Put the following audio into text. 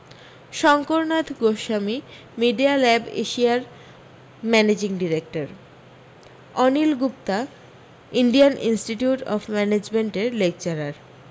শংকর Nath Goswami media lab এশিয়ার managing director Anil Gupta Indian Institute of ম্যানেজমেন্টের lecturer